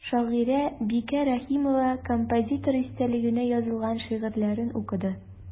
Шагыйрә Бикә Рәхимова композитор истәлегенә язылган шигырьләрен укыды.